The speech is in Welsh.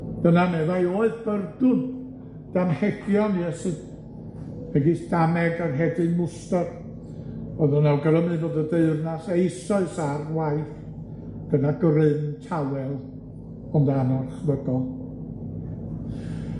Dyna meddai oedd byrdwn damhegion Iesu, megis dameg anghedyn mwstyr, o'dd yn awgrymu fod y deyrnas eisoes ar waith, gyda grym tawel, ond anarchfygol.